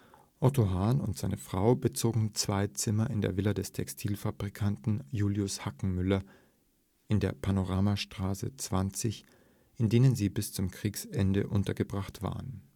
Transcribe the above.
Otto Hahn und seine Frau bezogen zwei Zimmer in der Villa des Textil-Fabrikanten Julius Hakenmüller in der Panoramastraße 20, in denen sie bis zum Kriegsende untergebracht waren